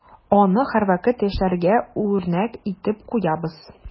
Аны һәрвакыт яшьләргә үрнәк итеп куябыз.